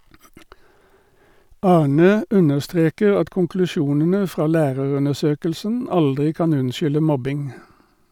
Arnø understreker at konklusjonene fra lærerundersøkelsen aldri kan unnskylde mobbing.